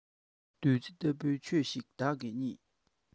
བདུད རྩི ལྟ བུའི ཆོས ཤིག བདག གིས རྙེད